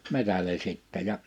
metsälle sitten ja